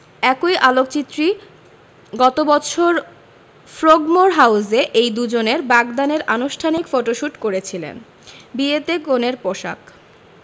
একই আলোকচিত্রী গত বছর ফ্রোগমোর হাউসে এই দুজনের বাগদানের আনুষ্ঠানিক ফটোশুট করেছিলেন বিয়েতে কনের পোশাক